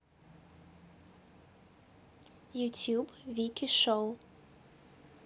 youtube вики шоу